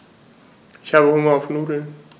Ich habe Hunger auf Nudeln.